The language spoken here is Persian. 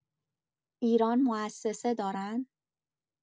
ایران موسسه دارن؟